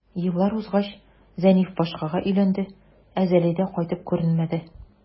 Еллар узгач, Зәниф башкага өйләнде, ә Зәлидә кайтып күренмәде.